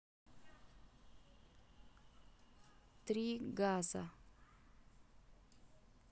три газа